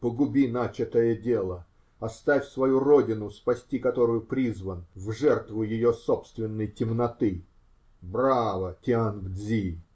Погуби начатое дело, оставь свою родину, спасти которую призван, в жертву ее собственной темноты! Браво, Тианг-Дзи!